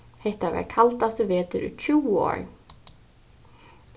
hetta var kaldasti vetur í tjúgu ár